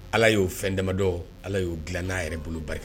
Ala y'o fɛn damadɔ Ala y'o dilan n'a yɛrɛ bolo barik